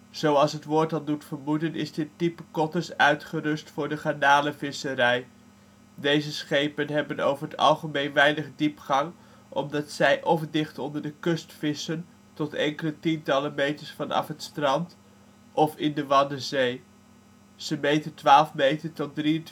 Zoals het woord al doet vermoeden is dit type kotters uitgerust voor de garnalenvisserij. Deze schepen hebben over het algemeen weinig diepgang omdat zij of dicht onder de kust vissen, tot enkele tientallen meters vanaf het strand, of in de Waddenzee. Ze meten 12 tot 23,99